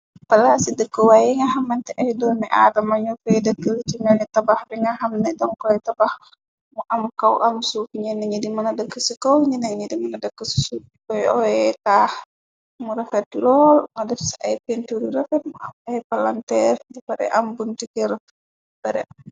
Palaa si dëkkwaay yi nga xamante ay dooni aadama ñu fey dëtil ci meni tabax bi nga xamne dankoy tabax mu am kaw am suuk ñenn ñi di mëna dëkk ci kaw njina ni di mëna dëkk ci suoy oye taax mu refet lool na def ca ay pentur yu rafet ay palanteer di pare am buntikër pare.